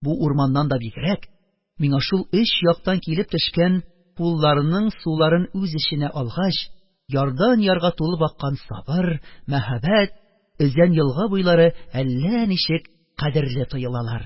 Бу урманнан да бигрәк миңа шул өч яктан килеп төшкән "кул"ларның суларын үз эченә алгач, ярдан-ярга тулып аккан сабыр, мәһабәт Өзән елга буйлары әллә ничек кадерле тоелалар...